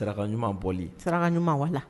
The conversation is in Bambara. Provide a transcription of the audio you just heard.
Saraka ɲuman bɔli, saraka ɲuman voila